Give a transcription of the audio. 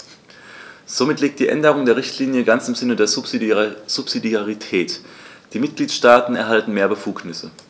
Somit liegt die Änderung der Richtlinie ganz im Sinne der Subsidiarität; die Mitgliedstaaten erhalten mehr Befugnisse.